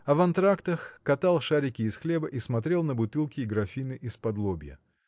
а в антрактах катал шарики из хлеба и смотрел на бутылки и графины исподлобья.